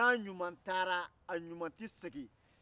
n'a ɲuman taara a ɲuman tɛ segin